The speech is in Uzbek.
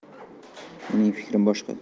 mening fikrim boshqa